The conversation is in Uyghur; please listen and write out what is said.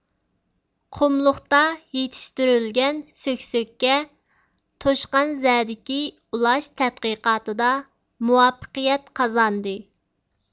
قۇملۇقتا يېتىشتۈرۈلگەن سۆكسۆككە توشقانزەدىكى ئۇلاش تەتقىقاتىدا مۇۋەپپەقىيەت قازاندى